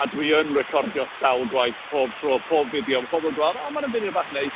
A dwi yn recordio sawl gwaith pob tro, pob fideo. Ma' pobl yn gweld, "oh, mae hwnna'n fideo bach neis".